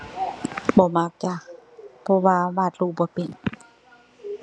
บ่มักจ้ะ เพราะว่าวาดรูปบ่เป็น